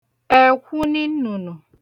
ẹ̀kwuni nnụ̀nù